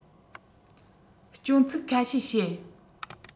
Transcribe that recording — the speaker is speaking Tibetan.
སྐྱོན ཚིག ཁ ཤས བཤད